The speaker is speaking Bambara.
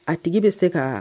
A tigi bɛ se ka